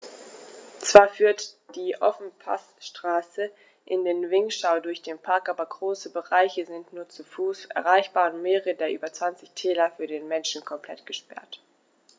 Zwar führt die Ofenpassstraße in den Vinschgau durch den Park, aber große Bereiche sind nur zu Fuß erreichbar und mehrere der über 20 Täler für den Menschen komplett gesperrt.